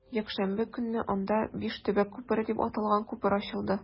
Якшәмбе көнне анда “Биш төбәк күпере” дип аталган күпер ачылды.